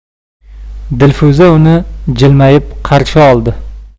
dilfuza uni jilmayib qarshi oldi